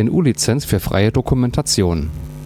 GNU Lizenz für freie Dokumentation